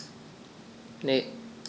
Ne.